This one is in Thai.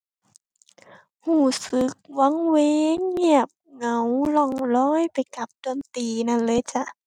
รู้สึกวังเวงเงียบเหงาล่องลอยไปกับดนตรีนั้นเลยจ้า